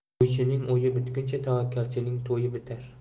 o'ychining o'yi bitguncha tavakkalchining to'yi bitar